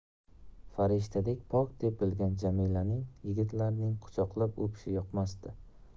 farishtadek pok deb bilgan jamilaning yigitlarning quchoqlab o'pishi yoqmasdi